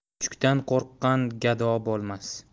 kuchukdan qo'rqqan gado bo'lmas